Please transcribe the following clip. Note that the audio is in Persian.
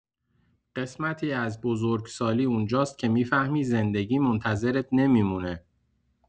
قسمتی از بزرگسالی اونجاست که می‌فهمی زندگی منتظرت نمی‌مونه!